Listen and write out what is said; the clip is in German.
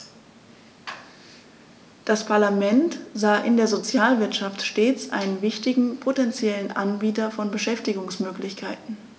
Das Parlament sah in der Sozialwirtschaft stets einen wichtigen potentiellen Anbieter von Beschäftigungsmöglichkeiten.